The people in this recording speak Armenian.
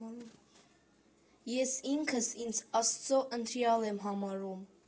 Ես ինքս ինձ Աստծո ընտրյալ եմ համարում.